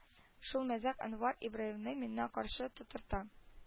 Шул мәзәк әнвәр ибраевны миңа каршы тотырта